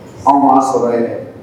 Anw' sɔrɔ ye